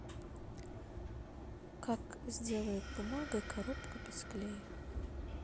как сделает бумагой коробка без клея